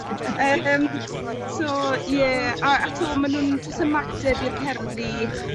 Yym so ie a a 'to ma' nw'n jyst ymateb i'r cerddi